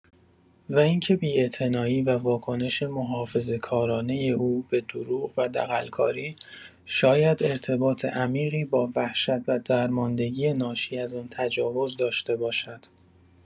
و اینکه بی‌اعتنایی و واکنش محافظه‌کارانه او به دروغ و دغل‌کاری، شاید ارتباط عمیقی با وحشت و درماندگی ناشی از آن تجاوز داشته باشد.